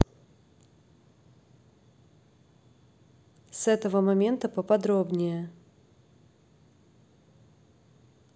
с этого места поподробнее